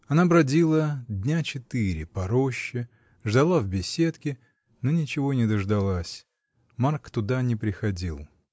Она бродила дня четыре по роще, ждала в беседке, но ничего не дождалась. Марк туда не приходил.